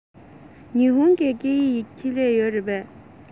ཉི ཧོང གི སྐད ཡིག ཆེད ལས ཡོད རེད པས